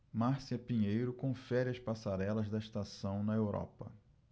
márcia pinheiro confere as passarelas da estação na europa